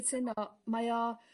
Cytuno mae o